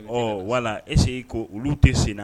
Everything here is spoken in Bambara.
Ɔ wala ese ko olu tɛ sen na